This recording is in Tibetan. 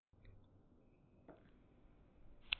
མཛེས པའི བོད ལྗོངས